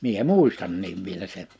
minä muistankin vielä sen